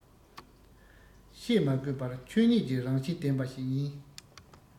བཤད མ དགོས པར ཆོས ཉིད ཀྱི རང བཞིན ལྡན པ ཞིག ཡིན